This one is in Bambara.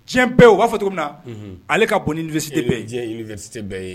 Tiɲɛ bɛɛ o'a fɔ tun na ale ka bon ni vsite bɛ yete bɛɛ ye